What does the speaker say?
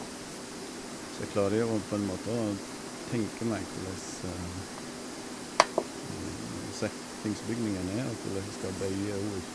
Så jeg klarer jo å på en måte å tenke meg korleis setningsbygningen er, og korleis jeg skal bøye ord.